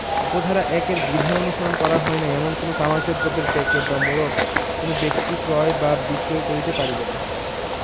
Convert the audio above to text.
উপ ধারা ১ এর বিধান অনুসরণ করা হয় নাই এমন কোন তামাকজাত দ্রব্যের প্যাকেট বা মোড়ক কোন ব্যক্তি ক্রয় বা বিক্রয় করিতে পারিবে না